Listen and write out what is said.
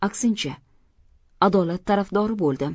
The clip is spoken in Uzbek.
aksincha adolat tarafdori bo'ldim